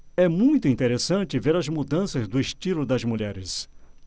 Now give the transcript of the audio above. é muito interessante ver as mudanças do estilo das mulheres